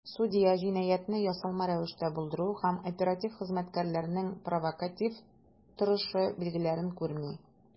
Судья "җинаятьне ясалма рәвештә булдыру" һәм "оператив хезмәткәрләрнең провокатив торышы" билгеләрен күрми.